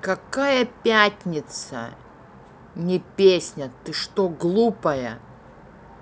канал пятница не песня ты что глупая